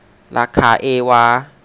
ราคาเอวา